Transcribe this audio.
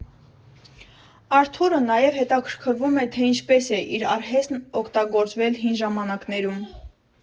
Արթուրը նաև հետաքրքրվում է, թե ինչպես է իր արհեստն օգտագործվել հին ժամանակներում։